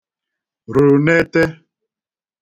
rùnete